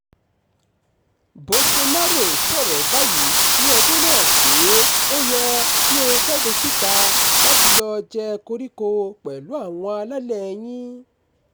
Bolsonaro sọ̀rọ̀ báyìí ní ọjọ́ náà pé "ó yẹ kí o jáde síta láti lọ jẹ koríko pẹ̀lú àwọn alálẹ̀ẹ yín".